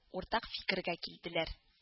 Уртак фикергә килделәр